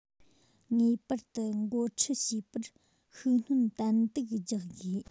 ངེས པར དུ འགོ ཁྲིད བྱེད པར ཤུགས སྣོན ཏན ཏིག རྒྱག དགོས